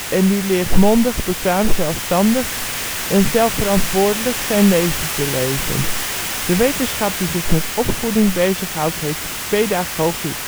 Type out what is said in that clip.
dit leert mondig, bekwaam zelfstandig en zelfverantwoordelijk zijn leven te leven. De wetenschap die zich met opvoeding bezig houdt heet pedagogiek